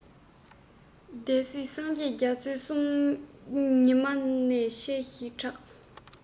སྡེ སྲིད སངས རྒྱས རྒྱ མཚོའི གསུང ཉི མ ནག ཆེན ཞེས གྲགས པ